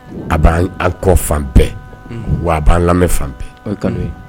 A b'an an kɔ fan bɛɛ wa a b'an lamɛn fan bɛɛ